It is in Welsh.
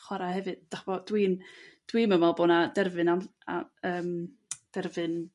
chwara' hefyd 'dach ch'mo' dwi'n dwi 'm yn me'wl bo' 'na derfyn am a yrm derfyn